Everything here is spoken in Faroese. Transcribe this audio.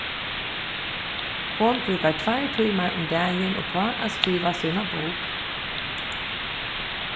hon brúkar tveir tímar um dagin uppá at skriva sína bók